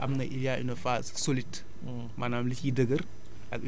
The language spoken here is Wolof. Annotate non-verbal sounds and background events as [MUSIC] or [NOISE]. ñetti phases yooyu da nga naan [HESITATION] am na il y' a une phase solide